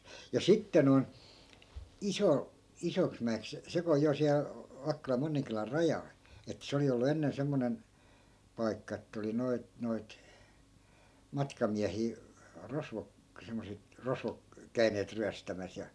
ja sitten noin - Isoksimäeksi se kun on siellä Vakkolan Monninkylän rajalla että se oli ollut ennen semmoinen paikka että oli noita noita matkamiehiä rosvot semmoiset rosvot käyneet ryöstämässä ja